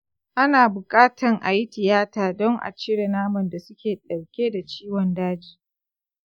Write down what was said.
ana bukatan ayi tiyata don a cire naman dasu ke dauke da ciwon daji.